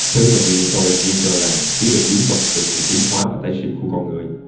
thứ mà unitology cho rằng chứa đựng bí mật về sự tiến hóa và tái sinh của con người